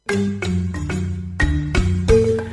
Wa